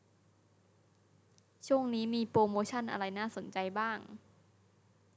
ช่วงนี้มีโปรโมชั่นอะไรน่าสนใจบ้าง